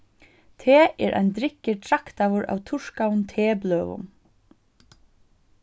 te er ein drykkur traktaður av turkaðum tebløðum